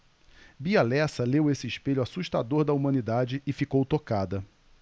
bia lessa leu esse espelho assustador da humanidade e ficou tocada